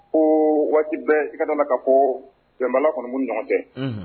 Ko waati bɛ i ka nana ka ko jama kɔnikun ɲɔgɔn tɛ